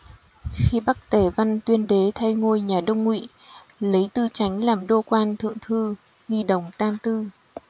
khi bắc tề văn tuyên đế thay ngôi nhà đông ngụy lấy tư chánh làm đô quan thượng thư nghi đồng tam tư